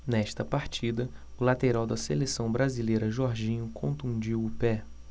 nesta partida o lateral da seleção brasileira jorginho contundiu o pé